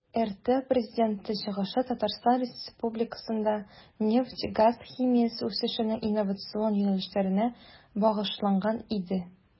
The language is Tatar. ТР Президенты чыгышы Татарстан Республикасында нефть-газ химиясе үсешенең инновацион юнәлешләренә багышланган иде.